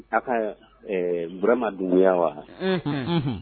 A ka ɛɛ Burama Dubuya wa? unhun